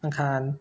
อังคาร